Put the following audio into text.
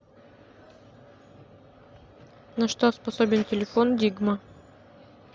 на что способен телефон дигма